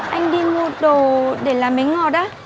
anh đi mua đồ để làm bánh ngọt á